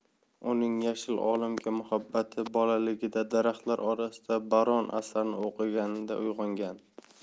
uning yashil olamga muhabbati bolaligida daraxtlar orasidagi baron asarini o'qiganida uyg'ongan